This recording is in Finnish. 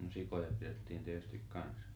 no sikoja pidettiin tietysti kanssa